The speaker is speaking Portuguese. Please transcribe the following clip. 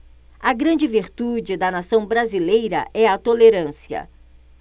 a grande virtude da nação brasileira é a tolerância